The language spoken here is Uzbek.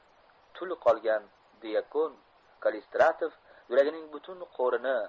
tul qolgan dyakon kallistratov yuragining butun qo'rini